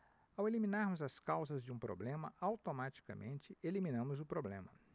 ao eliminarmos as causas de um problema automaticamente eliminamos o problema